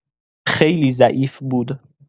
خیلی ضعیف بود.